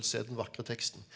se den vakre teksten!